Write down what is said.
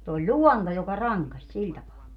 se oli luonto joka rankaisi sillä tapaa